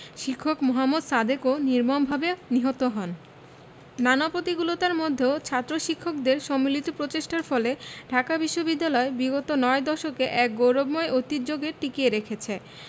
শিক্ষক মোহাম্মদ সাদেকও নির্মমভাবে নিহত হন নানা প্রতিকূলতার মধ্যেও ছাত্র শিক্ষকদের সম্মিলিত প্রচেষ্টার ফলে ঢাকা বিশ্ববিদ্যালয় বিগত নয় দশকে এর গৌরবময় ঐতিহ্যকে টিকিয়ে রেখেছে